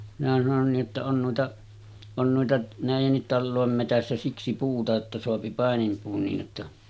minä sanoin niin jotta on noita on noita näidenkin talojen metsässä siksi puuta että saa paininpuun niin jotta